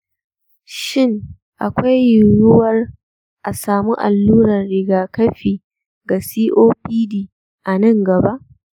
shin akwai yiwuwar a samu allurar rigakafi ga copd a nan gaba?